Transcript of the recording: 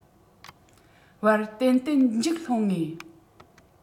བར ཏན ཏན འཇིགས སློང སོང